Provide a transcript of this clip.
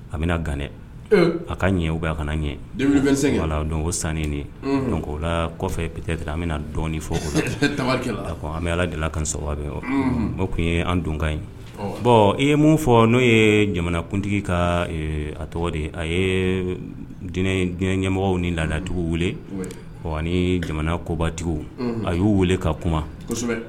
A bɛna ganɛ a ka ɲɛ bɛ a ka' ɲɛ dɔn o san de o la kɔfɛ ptete an bɛna dɔnɔni fɔ an bɛ ala delila ka sababu o tun ye an don ka ye bɔn i ye mun fɔ n'o ye jamanakuntigi ka a tɔgɔ de a ye ɲɛmɔgɔ ni laadatigiw weele ni jamana kobatigiw a y'u weele ka kuma